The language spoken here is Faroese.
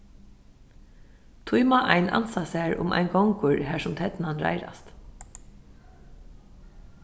tí má ein ansa sær um ein gongur har sum ternan reiðrast